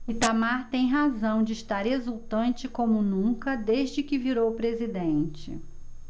itamar tem razão de estar exultante como nunca desde que virou presidente